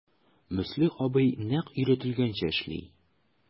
Мөслих абый нәкъ өйрәтелгәнчә эшли...